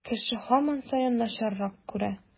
Кеше һаман саен начаррак күрә.